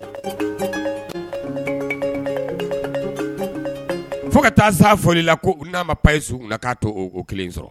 Fo ka taa s foli la ko n'a ma panye su k'a to o kelen sɔrɔ